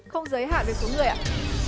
không giới hạn về số người ạ